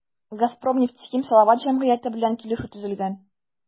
“газпром нефтехим салават” җәмгыяте белән килешү төзелгән.